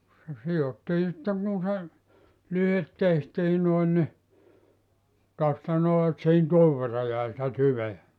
se sidottiin sitten kun se lyhteet tehtiin noin niin tuosta noin että siihen tuon verran jäi sitä tyveä